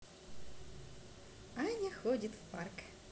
аня ходит в парк